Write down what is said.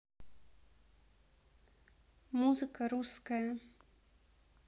музыка русская